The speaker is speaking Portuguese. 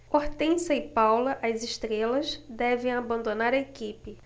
hortência e paula as estrelas devem abandonar a equipe